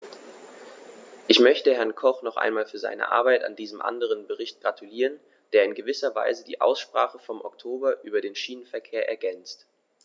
Ich möchte Herrn Koch noch einmal für seine Arbeit an diesem anderen Bericht gratulieren, der in gewisser Weise die Aussprache vom Oktober über den Schienenverkehr ergänzt.